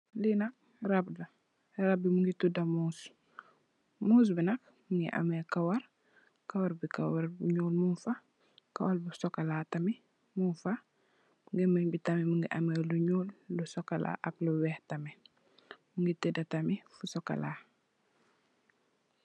li nak rab la rabbi Mungi tuda muus , muus bi nak Mungi ameh kawarr , kawarr bi kawarr bu nyuul mungfa kawarr bu sokola tamit mungfa gameng bi tamit Mungi ameh lu nyuul lu sokola ak lu weih tamit Mungi teda tamit fu sokola.